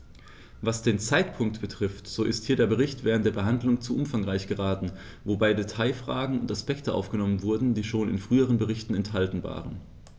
Was den Zeitpunkt betrifft, so ist hier der Bericht während der Behandlung zu umfangreich geraten, wobei Detailfragen und Aspekte aufgenommen wurden, die schon in früheren Berichten enthalten waren.